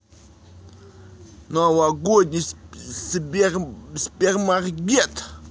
новогодний сбермаркет